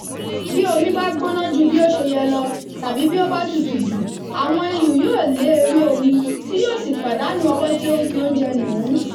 Bí omi bá gbóná ju bí ó ṣe yẹ lọ (tàbí bí ó bá tutù jù) àwọn iyùn yóò lé ewé omi — tí yóò sì pàdánù ọwọ́ tí ó ń fi oúnjẹ nù ún.